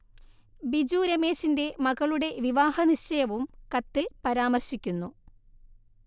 ബിജു രമേശിന്റെ മകളുടെ വിവാഹ നിശ്ഛയവും കത്തിൽ പരാമർശിക്കുന്നു